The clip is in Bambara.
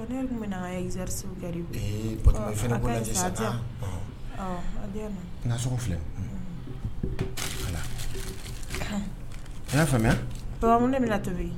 Ɔɔ nee kun bɛna an ŋa exercice u kɛ de ee Batoma i fɛnɛ k'o lajɛ sa haan ɔ a kaɲi sa a diyan ɔ a diyan bani nasɔngɔ filɛ unhun i y'a faamuya papa mun de bɛna tobi